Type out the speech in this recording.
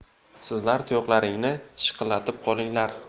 sizlar tuyoqlaringni shiqillatib qolinglar